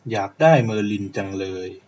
อยากได้เมอร์ลินจังเลย